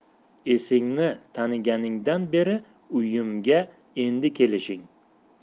esingni taniganingdan beri uyimga endi kelishing